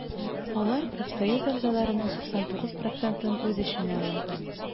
Алар профсоюз әгъзаларының 99 процентын үз эченә ала.